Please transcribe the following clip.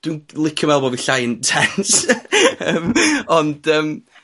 dwi'n licio fel, bo' fi llai intense yym, ond yym